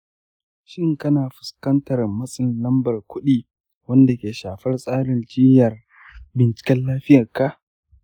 shin kana fuskantar matsin lambar kuɗi wanda ke shafar tsarin jiyyar binciken lafiyarka?